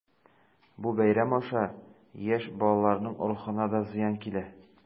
Бу бәйрәм аша яшь балаларның рухына да зыян килә.